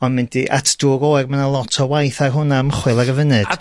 ma'n mynd i ma' 'na lot waith ar hwnna ymchwil ar y funud.